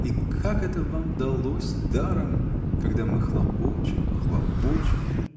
И как это вам далось даром, когда мы хлопочем, хлопочем!